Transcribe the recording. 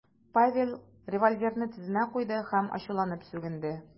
Павел револьверны тезенә куйды һәм ачуланып сүгенде .